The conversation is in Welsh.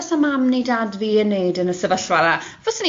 fysa mam neu dad fi yn 'neud yn y sefyllfa 'ma.